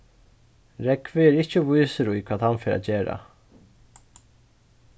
rógvi er ikki vísur í hvat hann fer at gera